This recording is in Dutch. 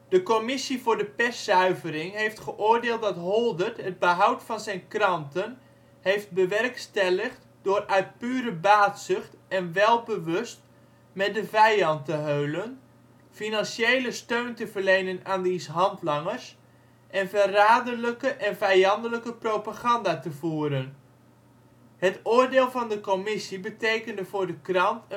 De Commissie voor de Perszuivering heeft geoordeeld dat Holdert het behoud van zijn kranten heeft bewerkstelligd door uit pure baatzucht en welbewust met de vijand te heulen, financiële steun te verlenen aan diens handlangers en verraderlijke en vijandelijke propaganda te voeren. Het oordeel van de Commissie betekende voor de krant